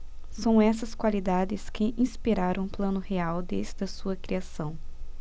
são essas qualidades que inspiraram o plano real desde a sua criação